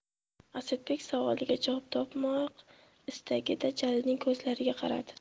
asadbek savoliga javob topmoq istagida jalilning ko'zlariga qaradi